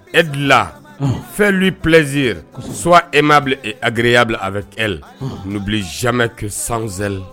E dilan fɛnli pzsie yɛrɛ sowa e m ma agreya bila a bɛ kɛ labi zimɛ kɛ sanze